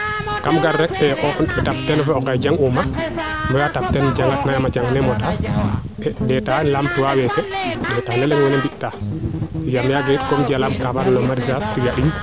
kam gar rek daq teen fo onge jang uuma ba i taɓ teen ke janga tin uuma yaam a cang ne mota ndeta laamtu wa weke ndeeta ne mwene mbi taa yaam kaga yit comme kaaga jalaam ka fadna nen maraichage